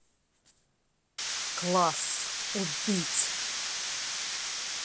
класс убить